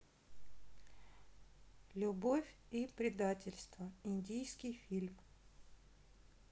любовь и предательство индийский фильм